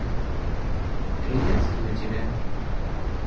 приветствую тебя